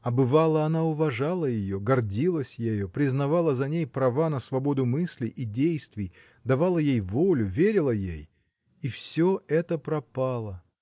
А, бывало, она уважала ее, гордилась ею, признавала за ней права на свободу мыслей и действий, давала ей волю, верила ей! И всё это пропало!